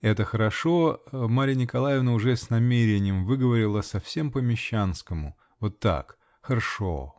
(Это "хорошо Марья Николаевна уже с намерением выговорила совсем по-мещанскому вот так: хершоо.